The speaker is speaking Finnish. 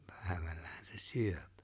päivällähän se syö